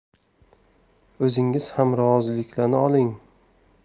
o'zingiz ham roziliklarini oling